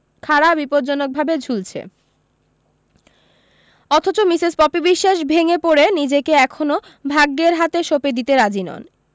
খাঁড়া বিপজ্জনকভাবে ঝুলছে অথচ মিসেস পপি বিশ্বাস ভেঙে পড়ে নিজেকে এখনও ভাগ্যের হাতে সঁপে দিতে রাজি নন